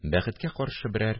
Бәхеткә каршы берәр